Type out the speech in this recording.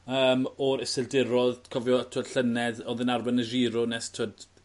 yym o'r Iseldirodd cofio t'wod llynedd o'dd e'n arwen y Giro nes t'wod